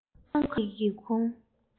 སློབ ཁང གི སྒེའུ ཁུང